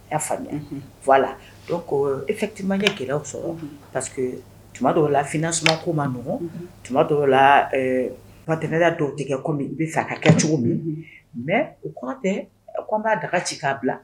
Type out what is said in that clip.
Y'a faamuya a la ko efitima ɲɛ gɛlɛyalaw sɔrɔ parce tuma dɔw la finɛ suma ko maɔgɔn tuma dɔw la batɛya dɔw tigɛ ko n bɛ fɛ ka kɛ cogo min mɛ u kɔrɔ tɛ ko n b'a daga ci k'a bila